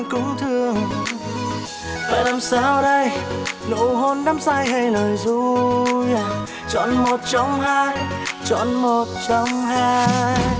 cũng thương phải làm sao đây nụ hôn đắm say hay lời ru chọn một trong hai chọn một trong hai